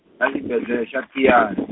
a xibedlele xa Tiyani.